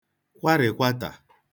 kwarị̀kwatà